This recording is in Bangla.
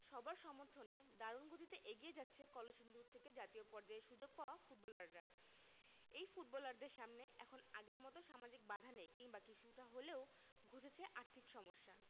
সবার সমর্থনে দারুণ গতিতে এগিয়ে যাচ্ছে কলসিন্দুর থেকে জাতীয় পর্যায়ে সুযোগ পাওয়া ফুটবলাররা এই ফুটবলারদের সামনে এখন আগের মতো সামাজিক বাধা নেই কিংবা কিছুটা হলেও ঘুচেছে আর্থিক সমস্যা